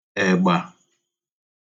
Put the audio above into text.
ẹ̀gbà